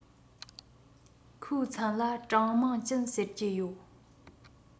ཁོའི མཚན ལ ཀྲང མིང ཅུན ཟེར གྱི ཡོད